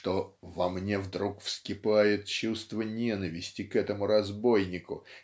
что "во мне вдруг вскипает чувство ненависти к этому разбойнику